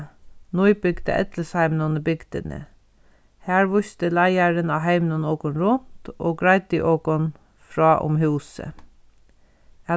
nýbygda ellisheiminum í bygdini har vísti leiðarin á heiminum okum runt og greiddi okum frá um húsið